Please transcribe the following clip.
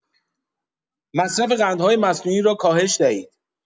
مصرف قندهای مصنوعی را کاهش دهید.